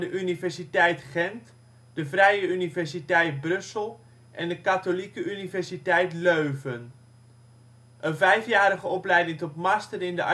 Universiteit Gent; Vrije Universiteit Brussel; Katholieke Universiteit Leuven. Een vijfjarige opleiding tot " Master in de